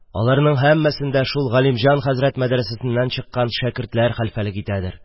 Аларның һәммәсендә шул Галимҗан хәзрәт мәдрәсәсеннән чыккан шәкертләр хәлфәлек итәдер.